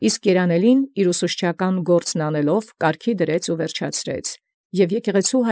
Իսկ երանելւոյն զիւր վարդապետութեանն պայման արարեալ սակեալ և վճարեալ։